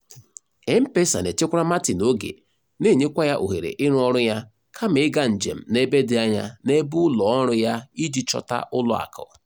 M-PESA na-echekwara Martin oge, na-enyekwa ya ohere ịrụ ọrụ ya kama ịga njem n'ebe dị anya n'ebe ụlọọrụ ya iji chọta ụlọakụ.